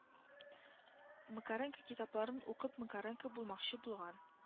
Макаренко китапларын укып макаренко булмакчы булган